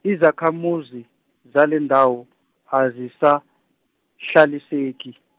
izakhamuzi, zalendawo, azisahlaliseki.